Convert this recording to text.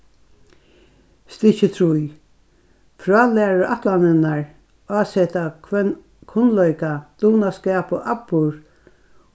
stykki trý frálæruætlanirnar áseta hvønn kunnleika dugnaskap og atburð